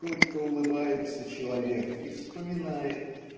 горько улыбается человек и вспоминает